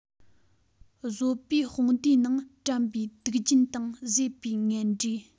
བཟོ པའི དཔུང སྡེའི ནང བཀྲམ པའི དུག རྒྱུན དང བཟོས པའི ངན འབྲས